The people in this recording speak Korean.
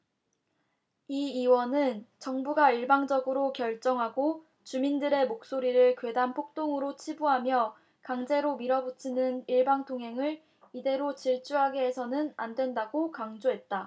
이 의원은 정부가 일방적으로 결정하고 주민들의 목소리를 괴담 폭동으로 치부하며 강제로 밀어붙이는 일방통행을 이대로 질주하게 해서는 안 된다고 강조했다